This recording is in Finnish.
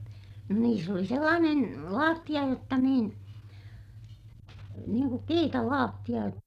no niissä oli sellainen lattia jotta niin niin kuin kiitalattia -